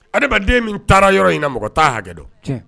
Adamaden min taara yɔrɔ in na mɔgɔ ta hakɛ dɔn